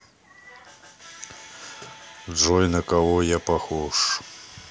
джой на кого я похож